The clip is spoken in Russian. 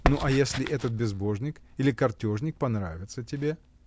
— Ну а если этот безбожник или картежник понравится тебе?.